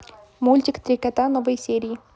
мультик три кота новые серии